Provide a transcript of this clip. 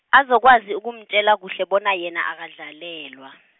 azokwazi ukumtjela kuhle bona yena akadlalelwa.